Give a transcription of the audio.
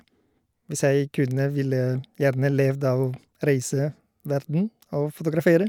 Hvis jeg kunne, ville jeg gjerne levd av å reise verden og fotografere.